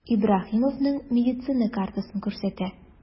Ибраһимовның медицина картасын күрсәтә.